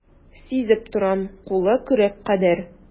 Сизеп торам, кулы көрәк кадәр.